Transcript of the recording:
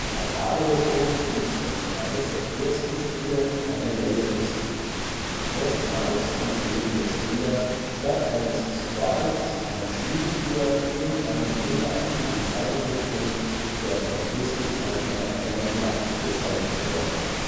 Arcade-Version benutzt als eines der ersten Spiele eine Laserdisc. Erstmals kontrollierte der Spieler statt eines Sprites eine Spielfigur in einem interaktivem Zeichentrickfilm, der vom Disney-Zeichner Don Bluth gezeichnet worden war